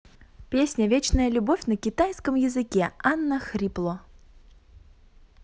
песня вечная любовь на китайском языке анна хрипло